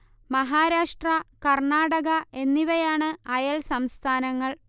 മഹാരാഷ്ട്ര കർണ്ണാടക എന്നിവയാണ് അയൽ സംസ്ഥാനങ്ങൾ